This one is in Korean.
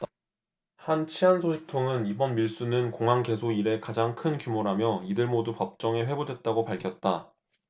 한 치안 소식통은 이번 밀수는 공항 개소 이래 가장 큰 규모라며 이들 모두 법정에 회부됐다고 밝혔다